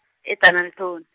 e- Dennilton.